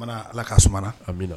Mana ala k kasumana an min